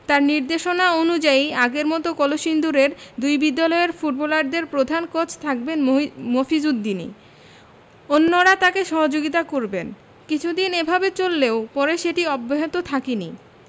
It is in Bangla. তাঁর নির্দেশনা অনুযায়ী আগের মতো কলসিন্দুরের দুই বিদ্যালয়ের ফুটবলারদের প্রধান কোচ থাকবেন মফিজ উদ্দিনই অন্যরা তাঁকে সহযোগিতা করবেন কিছুদিন এভাবে চললেও পরে সেটি অব্যাহত থাকেনি